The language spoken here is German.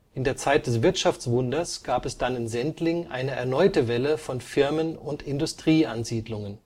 In der Zeit des Wirtschaftswunders gab es dann in Sendling eine erneute Welle von Firmen - und Industrieansiedlungen